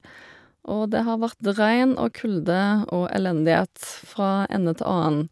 Og det har vært regn og kulde og elendighet fra ende til annen.